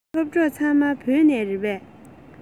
སློབ ཕྲུག ཚང མ བོད ལྗོངས ནས རེད པས